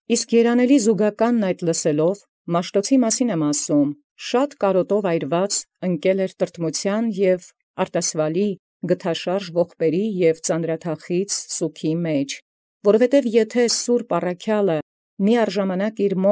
Իսկ երանելի զուգականին լուեալ, զՄաշթոցէ ասեմ, բազում անձկայրեաց տրտմութեամբ և արտաւսրագութ ողբովք և ծանրաթախիծ սգովք պաշարեալ դնէր. զի թէ առաքեալն սուրբ։